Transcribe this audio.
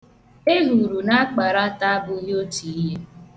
Ehuru na akparata abụghị otu ihe.